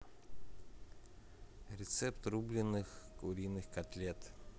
рецепт рубленных куриных котлет